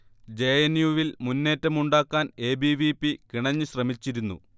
J. N. U. വിൽ മുന്നേറ്റം ഉണ്ടാക്കാൻ എ. ബി. വി. പി കിണഞ്ഞ് ശ്രമിച്ചിരുന്നു